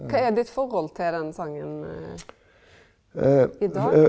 kva er ditt forhold til den songen i dag?